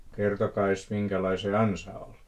kertokaas minkälainen se ansa oli